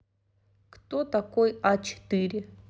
кто такой а четыре